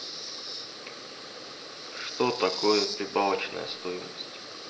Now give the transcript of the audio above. что такое прибавочная стоимость